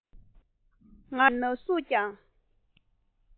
ང རང རྡོག ཐོ གཞུས པའི ན ཟུག ཀྱང